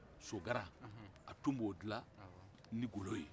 sogaran a tun b'o dilan ni golo ye